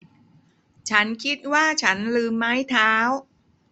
ฉันคิดว่าฉันลืมไม้เท้า